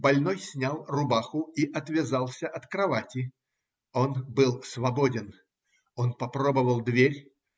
Больной снял рубаху и отвязался от кровати. Он был свободен. Он попробовал дверь